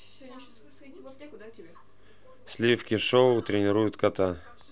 сливки шоу тренируют кота